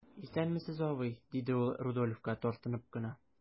Исәнмесез, абый,– диде ул Рудольфка, тартынып кына.